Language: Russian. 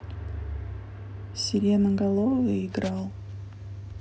сиреноголовый играл